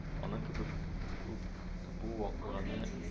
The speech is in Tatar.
Аның кебек ук бу вакиганы